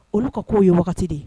Olu ka k'o ye wagati de ye